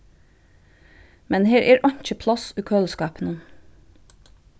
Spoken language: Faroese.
men her er einki pláss í køliskápinum